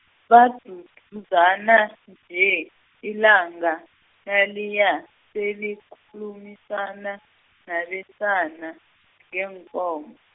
baduduzana nje, ilanga, naliya, selikhulumisana, nabesana, ngeenkomo.